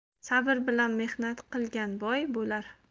sabr bilan mehnat qilgan boy bo'lar